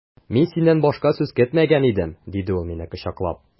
Мин синнән башка сүз көтмәгән идем, диде ул мине кочаклап.